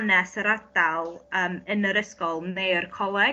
ardal yym yn yr ysgol neu'r coleg?